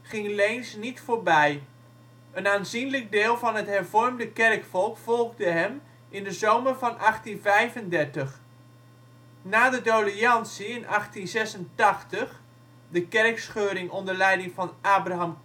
ging Leens niet voorbij, een aanzienlijk deel van het hervormde kerkvolk volgde hem in de zomer van 1835. Na de doleantie (1886), de kerkscheuring onder leiding van Abraham